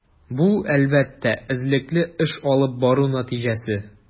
Бу, әлбәттә, эзлекле эш алып бару нәтиҗәсе.